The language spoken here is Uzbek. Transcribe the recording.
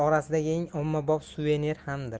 orasidagi eng ommabop suvenir hamdir